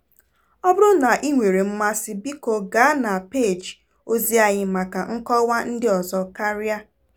Ọ bụrụ na ị nwere mmasị, bịko gaa na peeji ozi anyị maka nkọwa ndị ọzọ karịa.